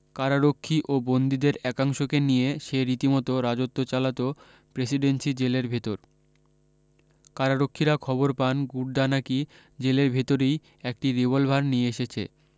কারারক্ষী ও বন্দীদের একাংশকে নিয়ে সে রীতিমত রাজত্ব চালাত প্রেসিডেন্সি জেলের ভিতর কারারক্ষীরা খবর পান গুড্ডা নাকি জেলের ভেতরেই একটি রিভলবার নিয়ে এসেছে